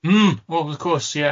Mm, wel wrth cwrs, yeah.